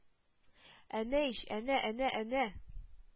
-әнә ич, әнә, әнә, әнә, әнә!